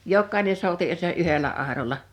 jokainen souti - se yhdellä airolla